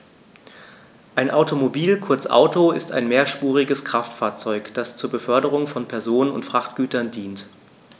Ein Automobil, kurz Auto, ist ein mehrspuriges Kraftfahrzeug, das zur Beförderung von Personen und Frachtgütern dient.